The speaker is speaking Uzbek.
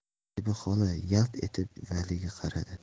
zebi xola yalt etib valiga qaradi